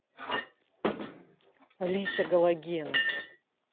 алиса галогена